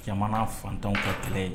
Cɛman fantanw ka kɛlɛ ye